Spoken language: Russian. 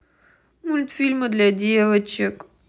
мультфильмы для девочек